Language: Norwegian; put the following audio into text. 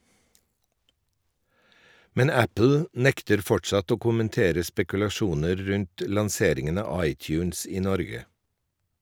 Men Apple nekter fortsatt å kommentere spekulasjoner rundt lanseringen av iTunes i Norge.